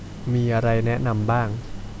มีอะไรแนะนำบ้าง